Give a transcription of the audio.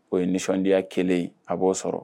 O ye nisɔndiya 1 ye a b'o sɔrɔ